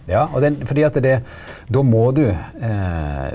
ja og den fordi at det då må du .